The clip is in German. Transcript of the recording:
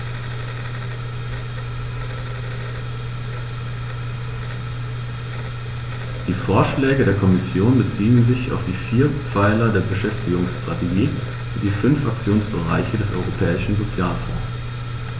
Die Vorschläge der Kommission beziehen sich auf die vier Pfeiler der Beschäftigungsstrategie und die fünf Aktionsbereiche des Europäischen Sozialfonds.